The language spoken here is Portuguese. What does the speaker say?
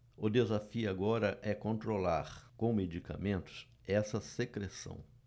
o desafio agora é controlar com medicamentos essa secreção